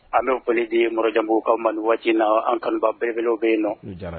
An bɛ foli di nɔrɔjanbugukaw ma ni waati in na, an kanuba belebelew bɛ yen nɔ. U jara